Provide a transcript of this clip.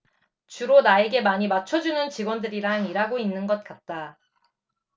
주로 나에게 많이 맞춰주는 직원들이랑 일하고 있는 것 같다